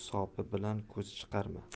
sopi bilan ko'z chiqarma